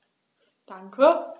Danke.